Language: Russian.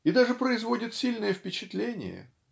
и даже производит сильное впечатление